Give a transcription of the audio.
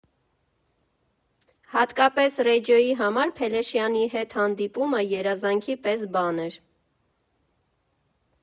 Հատկապես Ռեջիոյի համար Փելեշյանի հետ հանդիպումը երազանքի պես բան էր։